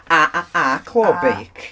A, a, a clo beic!